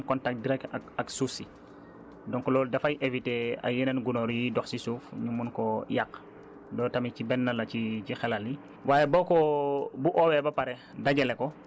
boo xamante ne ndax nga mën ko cee teg mu bañ a am contact direct ak suuf si donc loolu dafay éviter ay yeneen gunóor yiy dox ci suuf ñu mun koo yàq loolu tamit ci benn la ci ci xelal yi